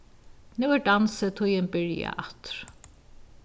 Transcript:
nú er dansitíðin byrjað aftur